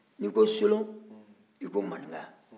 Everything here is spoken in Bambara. n'i ko solon i ko maninka